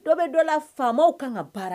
Dɔ bɛ dɔ la faama kan ka baara